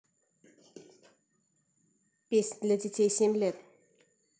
песни для детей семь лет